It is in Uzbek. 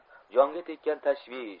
jonga tekkan tashvish